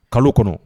Kalo kɔnɔ